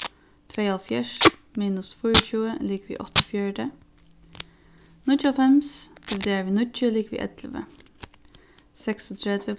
tveyoghálvfjerðs minus fýraogtjúgu er ligvið áttaogfjøruti níggjuoghálvfems dividerað við níggju ligvið ellivu seksogtretivu